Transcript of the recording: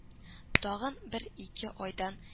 Тагын бер-ике айдан